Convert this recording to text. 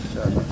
incha allah